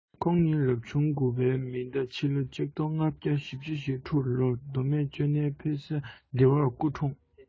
ཁོང ནི རབ བྱུང དགུ བའི མེ རྟ ཕྱི ལོ ༡༥༤༦ ལོར མདོ སྨད ཅོ ནེའི ཕོ ས སྡེ བར སྐུ འཁྲུངས